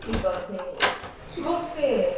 Digon teg. Ti'n gwybod be?